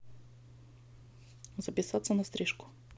записаться на стрижку